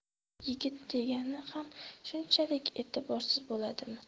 yigit degani ham shunchalik e'tiborsiz bo'ladimi